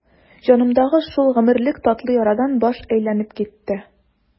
Җанымдагы шул гомерлек татлы ярадан баш әйләнеп китте.